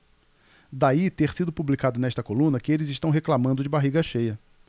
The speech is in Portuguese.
daí ter sido publicado nesta coluna que eles reclamando de barriga cheia